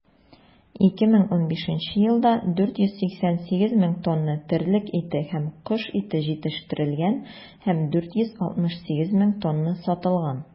2015 елда 488 мең тонна терлек ите һәм кош ите җитештерелгән һәм 468 мең тонна сатылган.